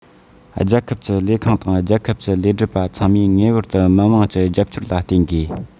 རྒྱལ ཁབ ཀྱི ལས ཁུངས དང རྒྱལ ཁབ ཀྱི ལས སྒྲུབ པ ཚང མས ངེས པར དུ མི དམངས ཀྱི རྒྱབ སྐྱོར ལ བརྟེན དགོས